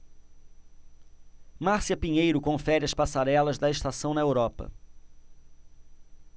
márcia pinheiro confere as passarelas da estação na europa